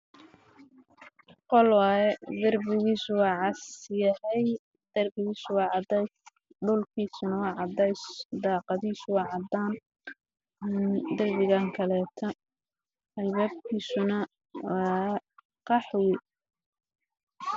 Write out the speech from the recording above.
Qol waaye darbigiisa waa casyahay